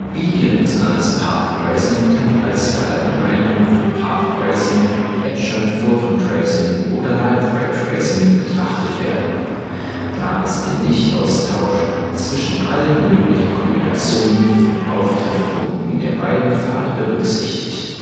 Bidirektionales Path Tracing kann als Verallgemeinerung von Path Tracing, Adjoint Photon Tracing oder Light Ray Tracing betrachtet werden, da es den Lichtaustausch zwischen allen möglichen Kombinationen von Auftreffpunkten der beiden Pfade berücksichtigt